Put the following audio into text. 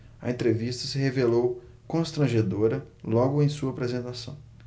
a entrevista se revelou constrangedora logo em sua apresentação